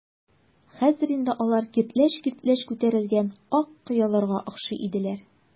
Хәзер инде алар киртләч-киртләч күтәрелгән ак кыяларга охшый иделәр.